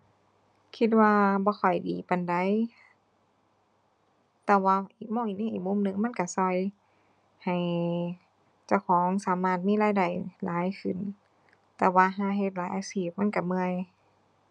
คิดว่าบ่ค่อยดีปานใด แต่ว่าอีกมองอีกมีอีกมุมหนึ่งมันก็ก็ ให้เจ้าของสามารถมีรายได้หลายขึ้น แต่ว่าหาเฮ็ดหลายอาชีพมันก็เมื่อย